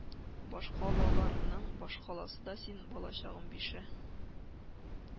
Башкалаларның башкаласы да син, балачагым бише